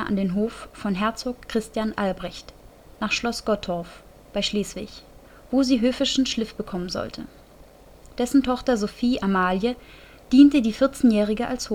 Hof von Herzog Christian Albrecht nach Schloss Gottorf bei Schleswig, wo sie höfischen Schliff bekommen sollte. Dessen Tochter Sophie Amalie diente die 14-Jährige als